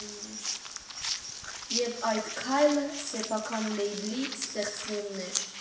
Եվ այդ քայլը սեփական լեյբլի ստեղծումն էր։